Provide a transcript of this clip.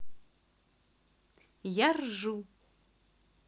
я ржу